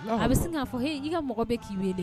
A bɛ k'a fɔ h n'i ka mɔgɔ bɛɛ k'i weele